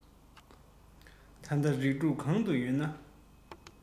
ད ལྟ རིགས དྲུག གང དུ ཡོད ན